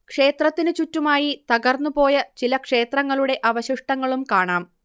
ക്ഷേത്രത്തിനു ചുറ്റുമായി തകർന്നുപോയ ചില ക്ഷേത്രങ്ങളുടെ അവശിഷ്ടങ്ങളും കാണാം